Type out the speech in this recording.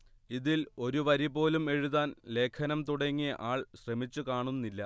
ഇതിൽ ഒരു വരി പോലും എഴുതാൻ ലേഖനം തുടങ്ങിയ ആൾ ശ്രമിച്ചു കാണുന്നില്ല